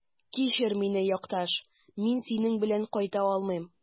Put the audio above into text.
Кичер мине, якташ, мин синең белән кайта алмыйм.